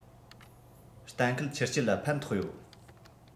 གཏན འཁེལ ཆུ རྐྱལ ལ ཕན ཐོགས ཡོད